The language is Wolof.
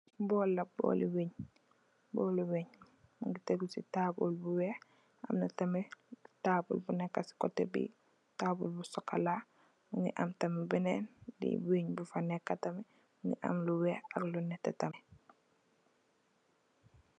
Bool la, bool li wënn, booli wënn mungi tégu ci taabl bu weeh. Amna tamit bu nekka ci kotè bi, taabl bu sokola. Mungi am tamit benen wënn bu fa nekka tamit mungi am lu weeh ak lu nètè tamit.